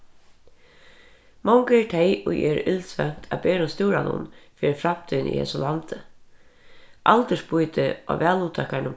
mong eru tey ið eru illsvøvnt av berum stúranum fyri framtíðini í hesum landi aldursbýtið á valluttakarunum